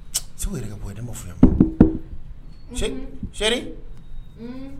yɛrɛ ka bɔ ne ma sɛri